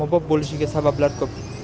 ommabop bo'lishiga sabablar ko'p